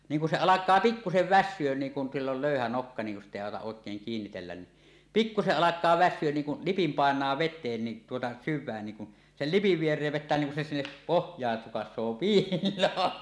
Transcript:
niin kun se alkaa pikkuisen väsyä niin kun sillä on löyhä nokka niin kun sitä ei auta oikein kiinnitellä niin pikkuisen alkaa väsyä niin kun lipin painaa veteen niin tuota syvään niin kun sen lipin viereen vettä niin kun se sinne pohjaan sukaisee piiloon